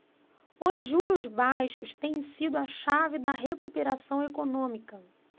os juros baixos têm sido a chave da recuperação econômica